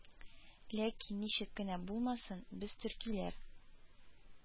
Ләкин, ничек кенә булмасын, без төркиләр